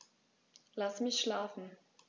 Lass mich schlafen